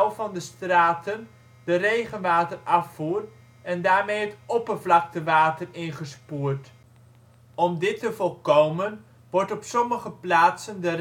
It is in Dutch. van de straten de regenwaterafvoer (en daarmee het oppervlaktewater) ingespoeld (first flush). Om dit te voorkomen wordt op sommige plaatsen de regenwaterafvoer